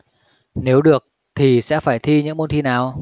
nếu được thì sẽ phải thi những môn thi nào